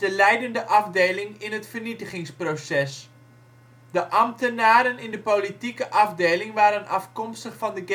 leidende afdeling in het vernietigingsproces. De ambtenaren in de politieke afdeling waren afkomstig van de